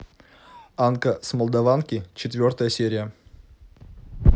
анка с молдаванки четвертая серия